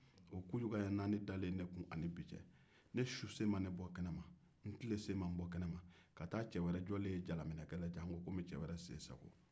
o kuyukanɲɛ naani dalen ne kun ne susen ma n bɔ kɛnɛ ma n tilesen ma n bo kɛnɛ ma ka taa cɛ wɛrɛ jɔlen ye jala minna sango k'a sen sama